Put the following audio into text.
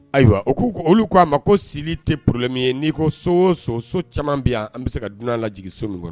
Ayiwa u ko k'u olu ko a ma ko sili tɛ problème ye n'i ko so o so so caaman bɛ yan an bɛ se ka dunan lajigi so min kɔnɔ